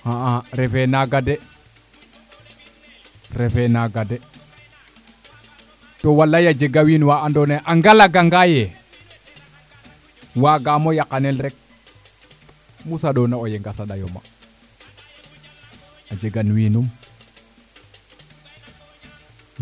xa'a refe naaga de refe naaga de to walaay a njega wiin wa ando naye a ngalata nga ye wagamo yaqanel rek mu saɗona o yeng a saɗayo ma a jegan wiinum